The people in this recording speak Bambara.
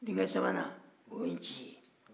denk ɛ sabanan o ye nci ye